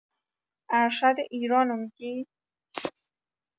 ارشد ایرانو می‌گی؟